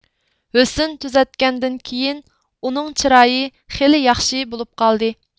ھۆسن تۈزەتكەندىن كېيىن ئۇنىڭ چىرايى خېلى ياخشى بولۇپ قالدى